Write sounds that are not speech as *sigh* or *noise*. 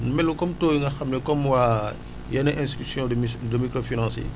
melul comme taux yi nga xam ne comme waa *hesitation* yenn institution de micr de microfinance yi